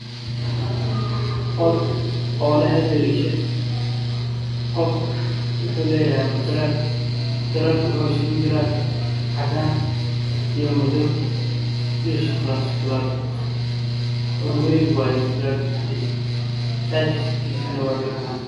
Waa qol waxaa leeyahay hal daaqad